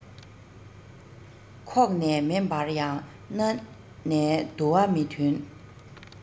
ཁོག ནས མེ འབར ཡང སྣ ནས དུ བ མི ཐོན